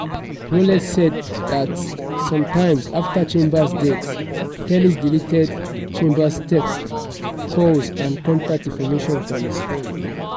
Rowlett said that sometime after Chambers' death, Tellis deleted Chambers' texts, calls and contact information from his phone.